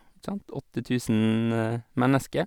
Ikke sant, åtte tusen mennesker.